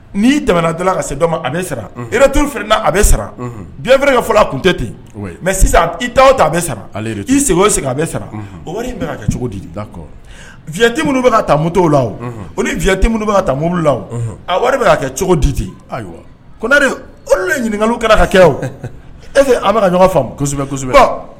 N'i tɛm ka se a a sarakɛ fɔlɔ a kun tɛ ten mɛ sisan i sara i sigi o a sara o wari kɛ di la fiti minnu bɛ ka taa moto la fiti minnu bɛ ka taa mobili la a wari bɛ' kɛ cogo di di ayiwa ko olu ɲininkaka kɛra ka kɛ e an bɛka ka ɲɔgɔn faamusɛbɛsɛbɛ